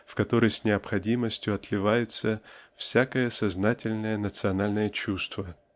в который с необходимостью отливается всякое сознательное национальное чувство.